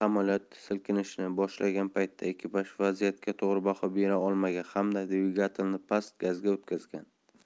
samolyot silkinishni boshlagan paytda ekipaj vaziyatga to'g'ri baho bera olmagan hamda dvigatelni past gazga o'tkazgan